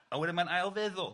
a wedyn mae'n ail feddwl.